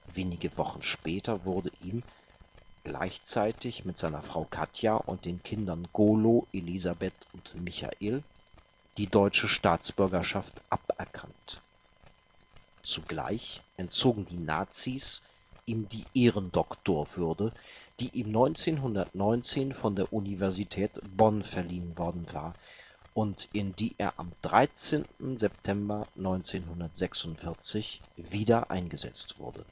Wenige Wochen später wurde ihm – gleichzeitig mit seiner Frau Katia und den Kindern Golo, Elisabeth und Michael – die deutsche Staatsbürgerschaft aberkannt. Zugleich entzogen die Nazis ihm die Ehrendoktorwürde, die ihm 1919 von der Universität Bonn verliehen worden war und in die er am 13. Dezember 1946 wieder eingesetzt wurde